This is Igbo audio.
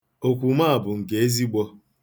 Okwuma a bụ nke ezigbo.